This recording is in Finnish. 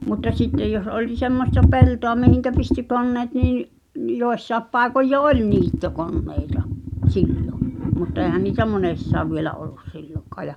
mutta sitten jos oli semmoista peltoa mihin pystyi koneet niin ne - jossakin paikoin jo oli niittokoneita silloin mutta eihän niitä monessakaan vielä ollut silloinkaan ja